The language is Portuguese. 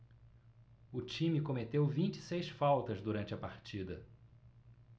o time cometeu vinte e seis faltas durante a partida